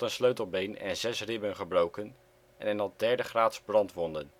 sleutelbeen en zes ribben gebroken en had derdegraads brandwonden